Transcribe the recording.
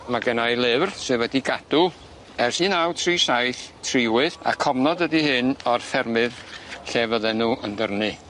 Ma' genna'i lyfr sy wedi gadw ers un naw tri saith tri wyth a cofnod ydi hyn o'r ffermydd lle fydden nw yn dyrnu.